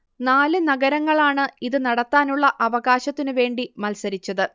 നാല് നഗരങ്ങളാണ് ഇത് നടത്താനുള്ള അവകാശത്തിന് വേണ്ടി മത്സരിച്ചത്